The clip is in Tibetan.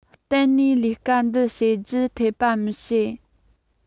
གཏན ནས ལས ཀ དེ བྱེད རྒྱུ འཐད པ མི བྱེད